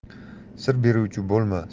sir beruvchi bo'lma